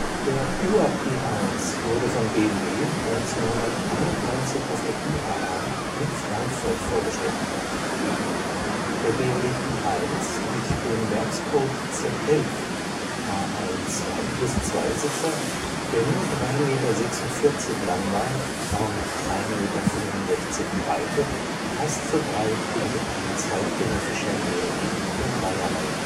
Der Ur-E1 wurde von BMW 1991 auf der IAA in Frankfurt vorgestellt. Der BMW E1 (Werkscode Z11) war ein 2+2-Sitzer, der nur 3,46 m lang war, aber mit 1,65 m Breite fast so breit wie ein zeitgenössischer BMW der 3er-Reihe